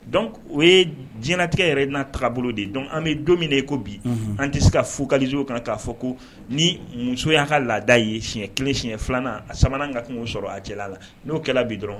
Dɔn o ye diɲɛtigɛ yɛrɛ n taabolo bolo de dɔn an bɛ don min ye ko bi an tɛ se ka futakalizso kan k'a fɔ ko ni muso y'a ka laada ye siɲɛ kelen siɲɛ filanan a sabanan ka kungo sɔrɔ a cɛla la n'o kɛra bi dɔrɔn